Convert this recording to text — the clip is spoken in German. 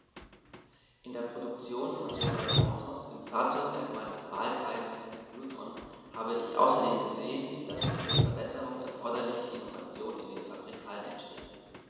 In der Produktion von General Motors, im Fahrzeugwerk meines Wahlkreises Luton, habe ich außerdem gesehen, dass die für Verbesserungen erforderliche Innovation in den Fabrikhallen entsteht.